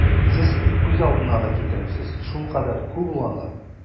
Сез күз алдына да китермисез, шулкадәр күп ул анда!